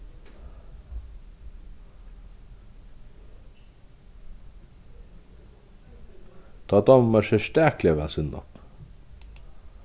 tá dámar mær serstakliga væl sinnop